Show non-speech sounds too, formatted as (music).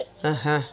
(hesitation) (hesitation)